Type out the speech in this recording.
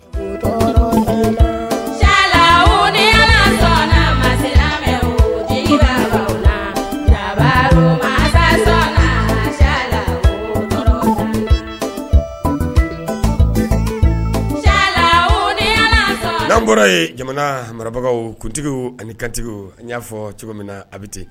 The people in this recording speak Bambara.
Yanyan n bɔra ye jamana marabagaw kuntigiw ani kantigiw ani y'a fɔ cogo min na a bɛ ten